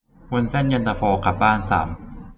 วุ้นเส้นเย็นตาโฟกลับบ้านสาม